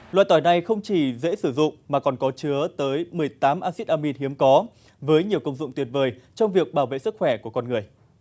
loại tỏi này không chỉ dễ sử dụng mà còn có chứa tới mười tám axit amin hiếm có với nhiều công dụng tuyệt vời trong việc bảo vệ sức khỏe của con người